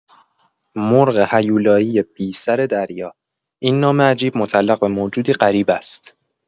«مرغ هیولایی بی‌سر دریا» این نام عجیب متعلق به موجودی غریب است.